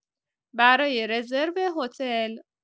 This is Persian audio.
برای رزرو هتل